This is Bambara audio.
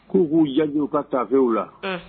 K'u b'u jayw ka taafew la